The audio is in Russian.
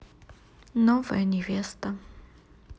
новая невеста